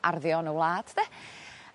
arddio yn y wlad 'de?